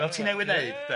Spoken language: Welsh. Fel ti newydd wneud de.